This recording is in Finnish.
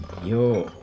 joo